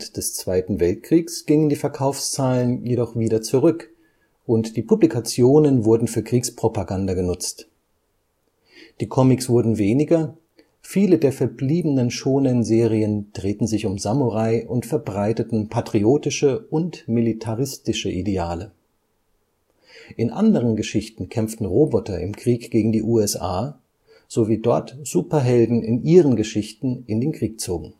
des Zweiten Weltkriegs gingen die Verkaufszahlen jedoch wieder zurück und die Publikationen wurden für Kriegspropaganda genutzt. Die Comics wurden weniger, viele der verbliebenen Shōnen-Serien drehten sich um Samurai und verbreiteten patriotische und militaristische Ideale. In anderen Geschichten kämpften Roboter im Krieg gegen die USA, so wie dort Superhelden in ihren Geschichten in den Krieg zogen